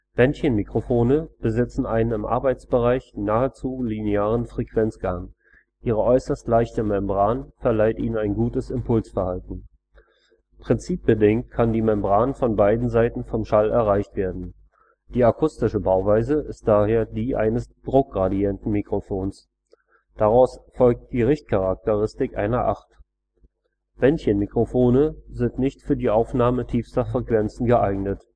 Bändchenmikrofone besitzen einen im Arbeitsbereich nahezu linearen Frequenzgang; ihre äußerst leichte Membran verleiht ihnen ein gutes Impulsverhalten. Prinzipbedingt kann die Membran von beiden Seiten vom Schall erreicht werden. Die akustische Bauweise ist daher die eines Druckgradientenmikrofons. Daraus folgt die Richtcharakteristik einer Acht. Bändchenmikrofone sind nicht für die Aufnahme tiefster Frequenzen geeignet